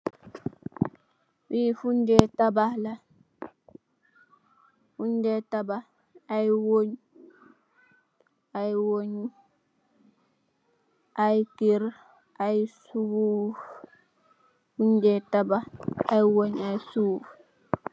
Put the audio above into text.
Lii fuñg de tabax la. Fuñg Dee tabax, ay wéñge, ay wénge ak ay kér, ay suuf, fuñge Dee tabax, ay wéñge ak ay suuf.